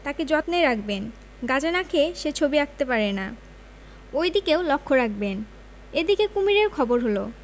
তাকে যত্নে রাখবেন গাজা না খেয়ে সে ছবি আঁকতে পারে না ঐ দিকেও লক্ষ রাখবেন এ দিকে কুমীরের খবর হল